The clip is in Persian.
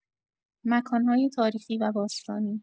مکان‌های تاریخی و باستانی